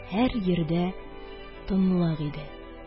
Һәр йирдә тынлык иде